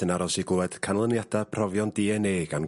...yn aros i glwed canlyniada profion Dee En Ay gan...